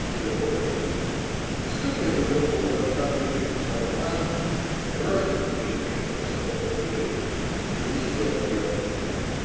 ничего себе", сунет руку в оттопырившийся карман, бросит мне несколько сот рублей и унесет ее от меня.